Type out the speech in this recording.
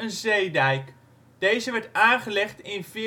zeedijk. Deze werd aangelegd in 1425